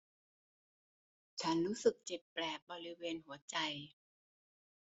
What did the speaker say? ฉันรู้สึกเจ็บแปลบบริเวณหัวใจ